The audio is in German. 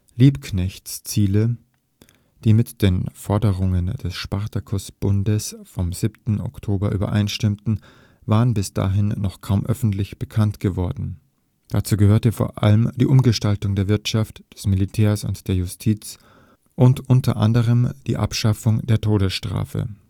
Liebknechts Ziele, die mit den Forderungen des Spartakusbundes vom 7. Oktober übereinstimmten, waren bis dahin noch kaum öffentlich bekannt geworden. Dazu gehörten vor allem die Umgestaltung der Wirtschaft, des Militärs und der Justiz, u. a. die Abschaffung der Todesstrafe